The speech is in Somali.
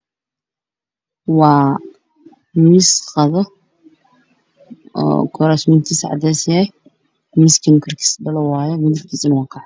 Waa miss qado guraamaskisa Cades yahy midibkisa neh waa qaxbi